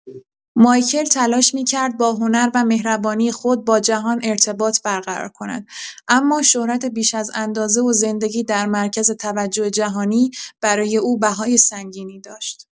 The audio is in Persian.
مایکل تلاش می‌کرد با هنر و مهربانی خود با جهان ارتباط برقرار کند اما شهرت بیش از اندازه و زندگی در مرکز توجه جهانی برای او بهای سنگینی داشت.